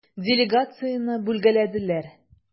Делегацияне бүлгәләделәр.